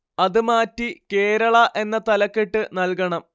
അത് മാറ്റി കേരള എന്ന് തലക്കെട്ട് നൽകണം